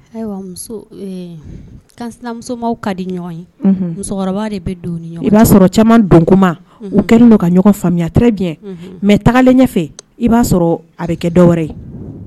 Ayiw muso kansinamusomaaw ka di ɲɔgɔn ye musokɔrɔba de bɛ don u ni ɲɔgɔn cɛ i b'a sɔrɔ caman don tuma u kɛlen don ka ɲɔgɔn faamuya très bien mais tagalen ɲɛfɛ i b'a sɔrɔ a bɛ kɛ dɔwɛrɛ ye.